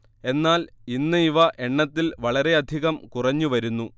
എന്നാൽ ഇന്ന് ഇവ എണ്ണത്തിൽ വളരെയധികം കുറഞ്ഞു വരുന്നു